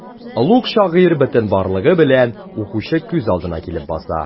Олуг шагыйрь бөтен барлыгы белән укучы күз алдына килеп баса.